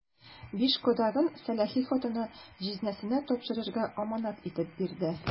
Биш кадагын сәләхи хатыны җизнәсенә тапшырырга әманәт итеп бирде.